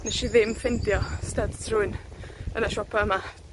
Nesh i ddim ffindio styd trwyn, yn y siopa' yma.